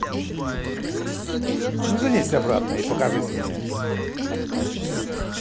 не женись обратно и покажись мне